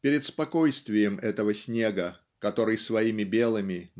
перед спокойствием этого снега который своими белыми